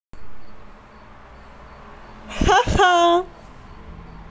ха ха